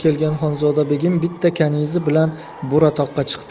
xonzoda begim bitta kanizi bilan buratoqqa chiqdi